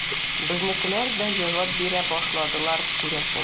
Безнекеләр дә җавап бирә башладылар, күрәсең.